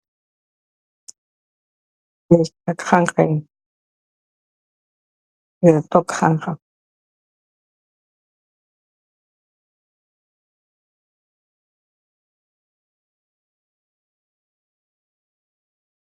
Li hanxa yi nyu geh dogg hanx.